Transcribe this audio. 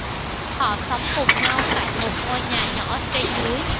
họ sống cùng nhau tại một ngôi nhà nhỏ trên núi